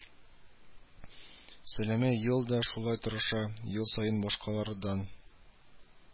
Сәлимә ел да шулай тырыша, ел саен башкалардан